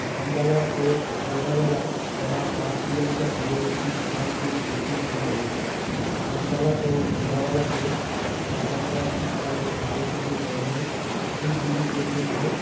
খান্ডালা ও লোনাভালা যারা পাঁচ কিলোমিটার দূরবর্তী সহ্যাদ্রীর পশ্চিম ঢালে অবস্থিত খান্ডালা ও লোনাভালাতে তাপমাত্রা শীতকালে বারো থেকে গরমে ছত্রিশ ডিগ্রী পর্যন্ত